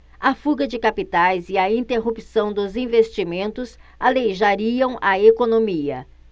a fuga de capitais e a interrupção dos investimentos aleijariam a economia